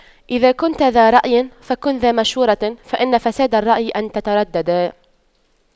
إذا كنتَ ذا رأيٍ فكن ذا مشورة فإن فساد الرأي أن تترددا